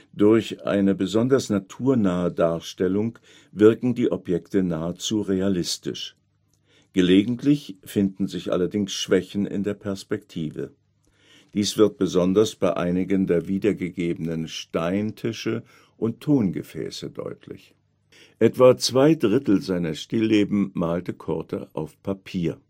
Durch eine besonders naturnahe Darstellung wirken die Objekte nahezu realistisch. Gelegentlich finden sich allerdings Schwächen in der Perspektive. Dies wird besonders bei einigen der wiedergegebenen Steintische und Tongefäße deutlich. Etwa zwei Drittel seiner Stillleben malte Coorte auf Papier